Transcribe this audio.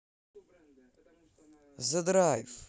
зэ драйв